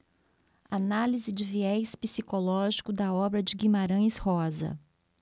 análise de viés psicológico da obra de guimarães rosa